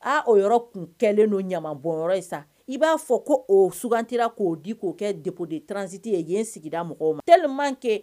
Aa o yɔrɔ tun kɛlen don ɲama bɔnyɔrɔ ye sa i b'a fɔ ko o sugantira k'o di k'o kɛ depôt de transit ye yen sigida mɔgɔw ma tellement que